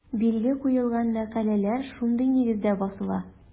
Билге куелган мәкаләләр шундый нигездә басыла.